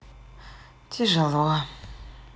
тяжело